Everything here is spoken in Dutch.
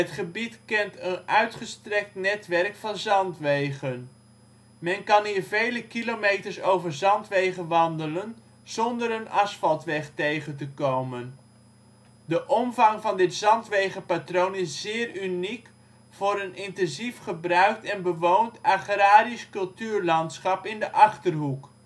gebied kent een uitgestrekt netwerk van zandwegen. Men kan hier vele kilometers over zandwegen wandelen zonder een asfaltweg tegen te komen. De omvang van dit zandwegenpatroon is zeer uniek voor een intensief gebruikt en bewoond agrarisch cultuurlandschap in de Achterhoek